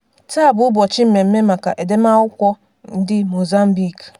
Taa bụ ụbọchị mmeme maka Edemakwụkwọ ndị Mozambique.